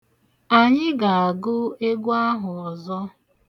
Anyị ga-agụ egwu ahụ ọzọ.